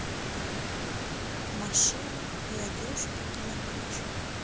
машины и одежки для мальчиков